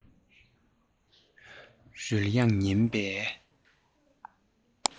རོལ དབྱངས ཉན པའི